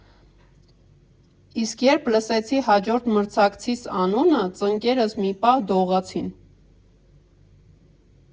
Իսկ երբ լսեցի հաջորդ մրցակցիս անունը՝ ծնկներս մի պահ դողացին։